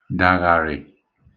dàghàrị̀